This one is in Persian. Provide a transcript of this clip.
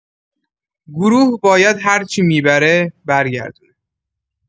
گروه باید هرچی می‌بره، برگردونه.